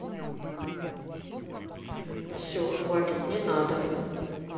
все хватит не надо